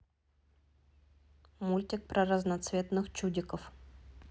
мультик про разноцветных чудиков